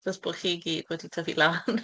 Ers bod chi gyd wedi tyfu lan!